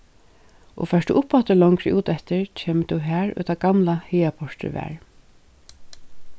og fert tú uppaftur longri úteftir kemur tú har ið tað gamla hagaportrið var